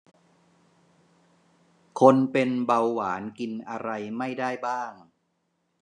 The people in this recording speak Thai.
คนเป็นเบาหวานกินอะไรไม่ได้บ้าง